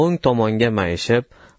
o'ng tomonga mayishib